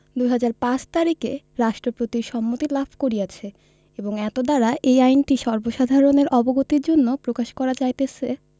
২০০৫ তারিখে রাষ্ট্রপতির সম্মতি লাভ করিয়াছে এবং এতদ্বারা এই আইনটি সর্বসাধারণের অবগতির জন্য প্রকাশ করা যাইতেছে